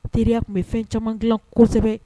Teriya tun bɛ fɛn caman dilan kosɛbɛ